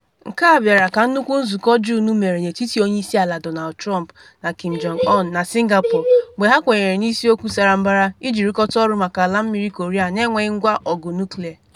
Nke a bịara ka nnukwu nzụkọ Juun mere n’etiti Onye Isi Ala Donald Trump na Kim Jong-un na Singapore, mgbe ha kwenyere n’isiokwu sara mbara iji rụkọta ọrụ maka ala mmiri Korea na enweghị ngwa ọgụ nuklịa.